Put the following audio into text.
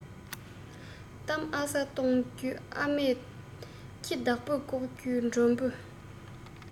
གཏམ ཨ ས གཏོང རྒྱུ ཨ མས ཁྱི བདག པོས བཀག རྒྱུ མགྲོན པོས